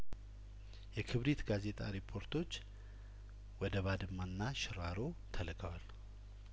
የክብሪት ጋዜጣ ሪፖርተሮች ወደ ባድማና ሽራሮ ተልከዋል